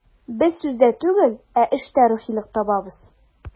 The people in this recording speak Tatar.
Без сүздә түгел, ә эштә рухилык табабыз.